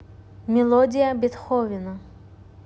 мелодии бетховена